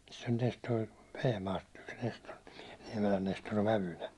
sen oli tästä tuo Vehmaasta yksi Nestori Niemelän Nestori on vävynä